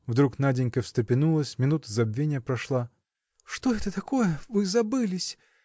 Вдруг Наденька встрепенулась, минута забвения прошла. – Что это такое? вы забылись!